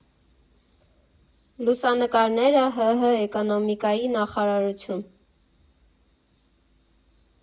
Լուսանկարները՝ ՀՀ էկոնոմիկայի նախարարություն։